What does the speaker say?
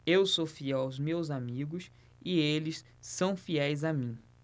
eu sou fiel aos meus amigos e eles são fiéis a mim